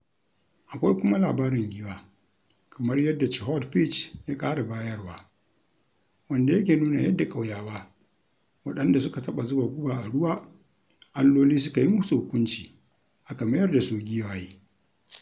Akwai kuma labarin giwa kamar yadda Chhot Pich ya ƙara bayarwa wanda yake nuna yadda ƙauyawa waɗanda suka taɓa zuba guba a ruwa alloli suka yi musu hukunci aka mayar da su giwaye.